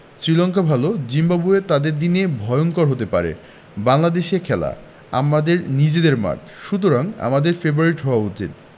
শ্রীলঙ্কা ভালো জিম্বাবুয়েও তাদের দিনে ভয়ংকর হতে পারে বাংলাদেশে খেলা আমাদের নিজেদের মাঠ সুতরাং আমাদেরই ফেবারিট হওয়া উচিত